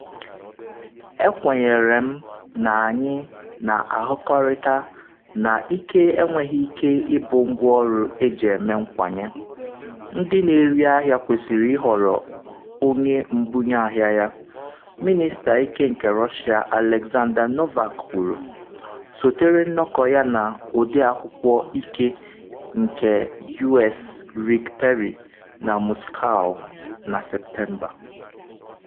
“Ekwenyere m na anyị na-ahụkọrịta na ike enweghị ike ịbụ ngwaọrụ eji eme nkwanye, ndị na-eri ahịa kwesịrị ịhọrọ onye mbunye ahịa ya,” Mịnịsta Ike nke Russia Aleksandr Novak kwuru, sotere nnọkọ ya na Ọde Akwụkwọ Ike nke US Rick Perry na Moscow na Septemba.